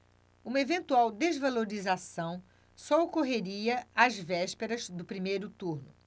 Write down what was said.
uma eventual desvalorização só ocorreria às vésperas do primeiro turno